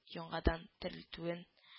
Яңадан терелтүен